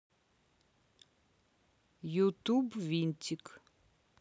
ютуб винтик